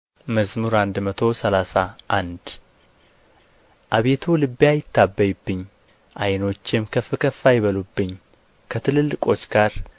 መዝሙር መቶ ሰላሳ አንድ አቤቱ ልቤ አይታበይብኝ ዓይኖቼም ከፍ ከፍ አይበሉብኝ ከትልልቆች ጋር